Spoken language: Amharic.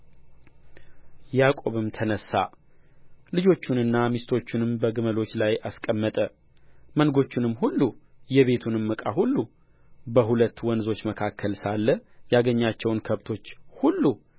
ያዕቆብም ተነሣ ልጆቹንና ሚስቶቹንም በግመሎች ላይ አስቀመጠ መንጎቹንም ሁሉ የቤቱንም ዕቃ ሁሉ በሁለት ወንዞች መካከል ሳለ ያገኛቸውን ከብቶች ሁሉ